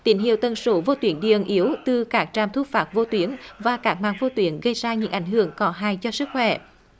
ytín hiệu tần số vô tuyến điện yếu từ các trạm thu phát vô tuyến và cả mạng vô tuyến gây ra những ảnh hưởng có hại cho sức khỏe